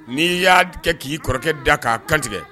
N'i y'a kɛ k'i kɔrɔkɛ da k'a kantigɛ